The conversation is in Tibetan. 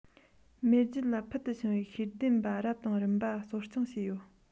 མེས རྒྱལ ལ ཕུལ དུ བྱུང བའི ཤེས ལྡན པ རབ དང རིམ པ གསོ སྐྱོང བྱས ཡོད